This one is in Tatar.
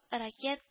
Ракеткы